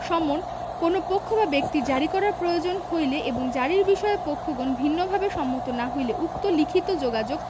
সমন কোন পক্ষ বা ব্যক্তির জারী করার প্রয়োজন হইলে এবং জারীর বিষয়ে পক্ষগণ ভিন্নভাবে সম্মত না হইলে উক্ত লিখিত যোগাযোগ